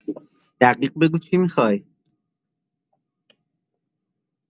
دقیق بگو چی میخوای؟